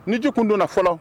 Nijugu kun donna fɔlɔ